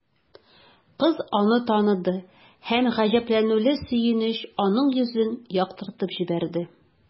Кыз аны таныды һәм гаҗәпләнүле сөенеч аның йөзен яктыртып җибәрде.